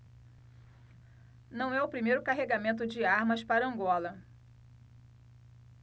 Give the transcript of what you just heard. não é o primeiro carregamento de armas para angola